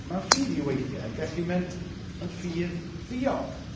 Ma'n ffydd i weithiau yn gallu mynd yn ffydd ddiog.